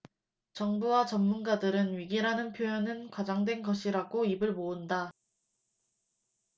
정부와 전문가들은 위기라는 표현은 과장된 것이라고 입을 모은다